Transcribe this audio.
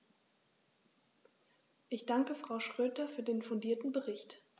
Ich danke Frau Schroedter für den fundierten Bericht.